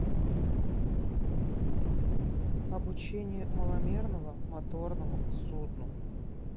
обучение маломерного моторному судну